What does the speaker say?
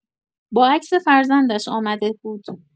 با عکس فرزندش آمده بود.